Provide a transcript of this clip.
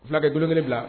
Fula kɛ don kelen bila